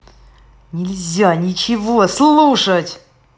нельзя ничего слушать